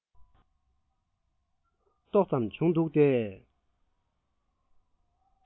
ཏོག ཙམ བྱུགས འདུག སྟེ